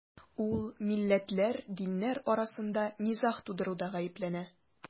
Ул милләтләр, диннәр арасында низаг тудыруда гаепләнә.